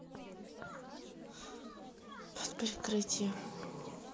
под прикрытием